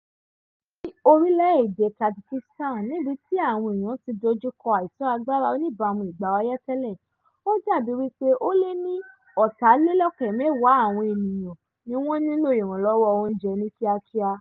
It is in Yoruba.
Ní orílẹ̀-èdè Tajikistan, níbi tí àwọn èèyàn tí dojúkọ àìtó agbára oníbamu ìgbà ọyẹ́ tẹ́lẹ̀, ó dàbí wípé ó lé ní 260,000 àwọn ènìyàn ní wọ́n nílò ìrànlọ́wọ́ oúnjẹ ní kíákíá.